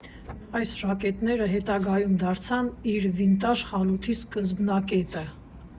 Այս ժակետները հետագայում դարձան իր վինտաժ խանութի սկզբնակետը։